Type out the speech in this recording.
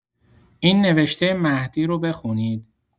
این نوشتۀ مهدی رو بخونید!